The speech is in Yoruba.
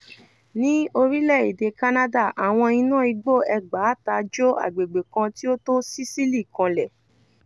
Ní orílẹ̀-èdè Canada, àwọn iná igbó 6,000 jó agbègbè kan tí ó tó Sicily kanlẹ̀.